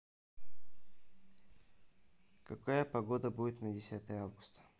какая погода будет на десятое августа